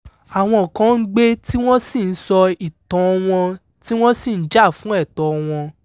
Àwọn kan ń gbé tí wọ́n sì ń sọ ìtàn-an wọn tí wọ́n sì ń jà fún ẹ̀tọ́ọ wọn.